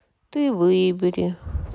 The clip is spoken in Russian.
ты выбери